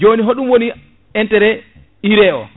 joni haɗum woni intérêt urée o